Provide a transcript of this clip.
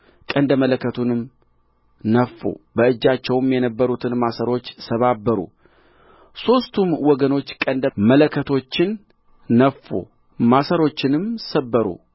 ጌዴዎንም ከእርሱም ጋር የነበሩት መቶ ሰዎች በመካከለኛው ትጋት ትጋቱም በተጀመረ ጊዜ ወደ ሰፈሩ ዳርቻ መጡ ቀንደ መለከቶችንም ነፉ በእጃቸውም የነበሩትን ማሰሮች ሰባበሩ